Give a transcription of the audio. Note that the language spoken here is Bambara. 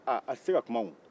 aa a tɛ se ka kuma